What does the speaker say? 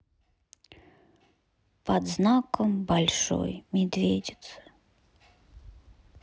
под знаком большой медведицы